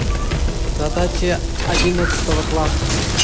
задачи одиннадцатого класса